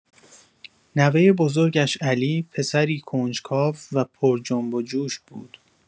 نوۀ بزرگش علی، پسری کنجکاو و پرجنب‌وجوش بود.